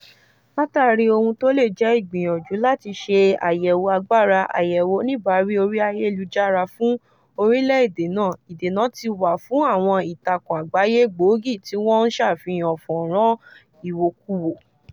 Látààrí ohun tí ó lè jẹ́ ìgbìyànjú láti ṣe àyẹ̀wò agbára àyẹ̀wò oníbàáwí orí ayélujára fún orílẹ̀-èdè náà, ìdènà ti wà fún àwọn ìtakùn àgbáyé gbóògì tí wọ́n ń ṣàfihàn fọ́nràn ìwòkuwò.